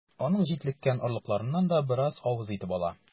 Аның җитлеккән орлыкларыннан да бераз авыз итеп ала.